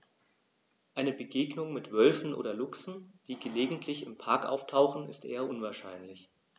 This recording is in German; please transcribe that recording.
Eine Begegnung mit Wölfen oder Luchsen, die gelegentlich im Park auftauchen, ist eher unwahrscheinlich.